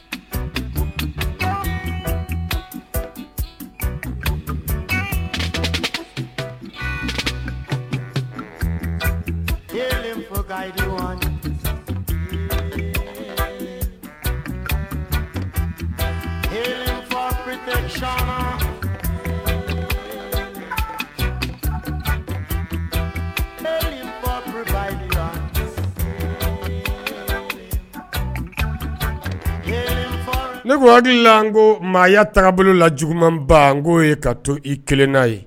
Ni ko maaya taga bolo la juguman ban n ko ye ka to i kelenna ye